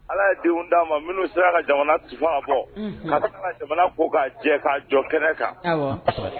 Ala ye denw d'an ma minnu sera ka jamana tufa ka bɔ, unhun, ka jamana ko k'a jɛ k'a jɔ kɛnɛ kan, awɔ